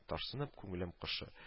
Тарсынып күңелем кошы